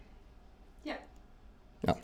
Ja.